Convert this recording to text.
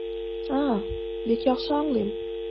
А, бик яхшы аңлыйм.